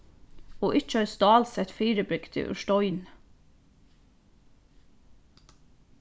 og ikki eitt stálsett fyribrigdi úr steini